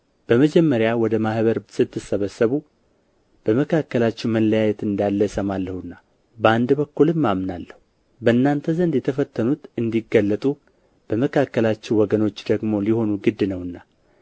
በመጀመሪያ ወደ ማኅበር ስትሰበሰቡ በመካከላችሁ መለያየት እንዳለ እሰማለሁና በአንድ በኩልም አምናለሁ በእናንተ ዘንድ የተፈተኑት እንዲገለጡ በመካከላችሁ ወገኖች ደግሞ ሊሆኑ ግድ ነውና